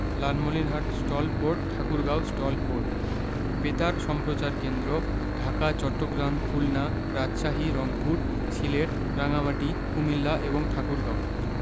Lalmonirhat STOL port Thakurgaon STOL port বেতার সম্প্রচার কেন্দ্রঃ ঢাকা চট্টগ্রাম খুলনা রাজশাহী রংপুর সিলেট রাঙ্গামাটি কুমিল্লা এবং ঠাকুরগাঁও